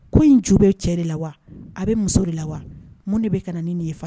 Ko in ju bɛ cɛ de la wa a bɛ muso de la wa mun de bɛ ka nin nin faga